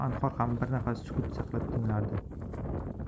anhor ham bir nafas sukut saqlab tinglardi